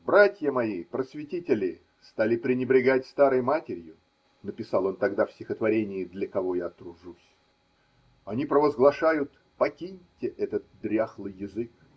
Братья мои, просветители, стали пренебрегать старой матерью, – написал он тогда в стихотворении Для кого я тружусь?, – они провозглашают: покиньте этот дряхлый язык.